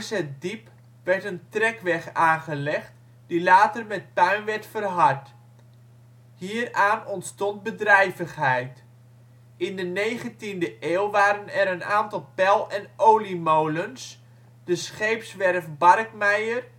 het diep werd een trekweg aangelegd, die later met puin werd verhard. Hieraan ontstond bedrijvigheid. In de 19e eeuw waren er een aantal pel - en oliemolens, de scheepswerf Barkmeyer